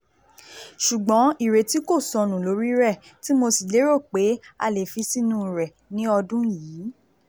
Ṣùgbọ́n ìrètí kò sọnù lórí rẹ̀ tí mo sì lérò pé a lè fi sínú rẹ̀ ní ọdún yìí!